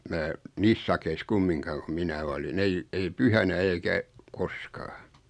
minä niissä sakeissa kumminkaan kun minä olin ei ei pyhänä eikä koskaan